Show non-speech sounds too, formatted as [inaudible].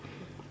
[hesitation] [hesitation]